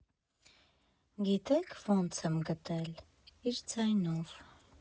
Գիտե՞ք ոնց եմ գտել՝ իր ձայնով։